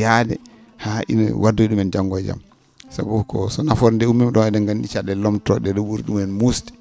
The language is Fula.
yaajde haa ina waddoya ?umen janngo e jam sabu ko so nafoore ndee ummiima ?o e?en nganndi ca?eele lomtotoo?e ?ee ?uri ?umen muusde